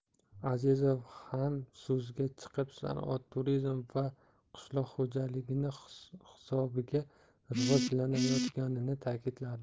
avezov ham so'zga chiqib sanoat turizm va qishloq xo'jaligi hisobiga rivojlanayotganini ta'kidladi